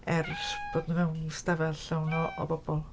Er bod mewn ystafell llawn o o bobl.